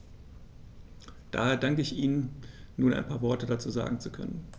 Daher danke ich Ihnen, nun ein paar Worte dazu sagen zu können.